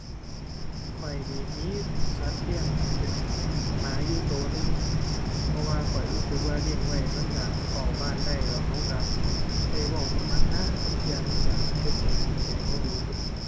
ข้อยนี่มีสัตว์เลี้ยงเป็นหมาอยู่ตัวหนึ่ง เพราะว่าข้อยรู้สึกว่าเลี้ยงไว้มันตัวเฝ้าบ้านได้ แล้วตัวตัวได้เว้านำมันนะ ลางเที่ยมันตัวเฮ็ดให้จิตใจตัวดีขึ้น